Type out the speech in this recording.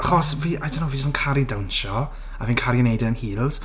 Achos fi I don't know fi jyst yn caru dawnsio, a fi'n caru wneud e yn heels.